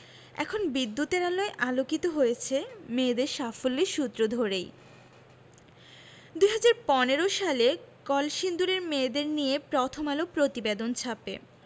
এখন বিদ্যুতের আলোয় আলোকিত হয়েছে মেয়েদের সাফল্যের সূত্র ধরেই ২০১৫ সালে কলসিন্দুরের মেয়েদের নিয়ে প্রথম আলো প্রতিবেদন ছাপে